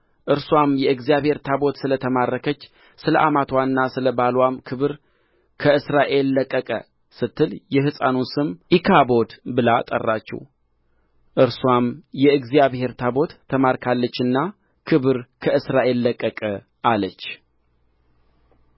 እርስዋም የእግዚአብሔር ታቦት ስለ ተማረከች ስለአማትዋና ስለ ባልዋም ክብር ከእስራኤል ለቀቀ ስትል የሕፃኑን ስም ኢካቦድ ብላ ጠራችው እርስዋም የእግዚአብሔር ታቦት ተማርካለችና ክብር ከእስራኤል ለቀቀ አለች